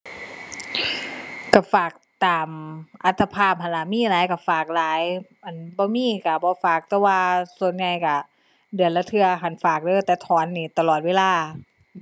ก็ฝากตามอัตภาพหั้นล่ะ มีหลายก็ฝากหลาย อั่น บ่มีก็บ่ฝาก แต่ว่าส่วนใหญ่ก็เดือนละเทื่อหั้นฝากเด้อ แต่ถอนนี่ตลอดเวลา